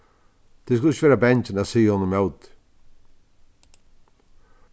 tit skulu ikki vera bangin at siga honum ímóti